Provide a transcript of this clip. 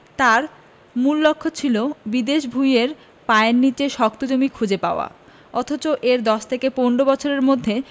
তাঁর মূল লক্ষ্য ছিল বিদেশ বিভুঁইয়ে পায়ের নিচে শক্ত জমি খুঁজে পাওয়া অথচ এর ১০ ১৫ বছরের মধ্যে